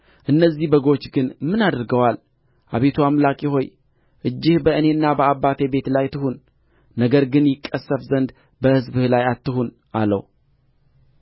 እነዚህ በጎች ግን ምን አድርገዋል አቤቱ አምላኬ ሆይ እጅህ በእኔና በአባቴ ቤት ላይ ትሁን ነገር ግን ይቀሠፍ ዘንድ በሕዝብህ ላይ አትሁን አለው